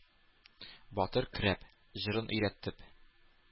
Батыр көрәп: җырын өйрәтеп,